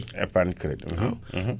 épargne crédit